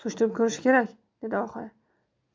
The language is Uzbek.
surishtirib ko'rish kerak dedi oxiri